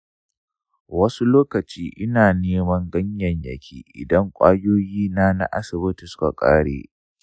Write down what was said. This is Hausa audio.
wasu lokutan ina neman ganyayyaki idan kwayoyina na asibiti suka kare.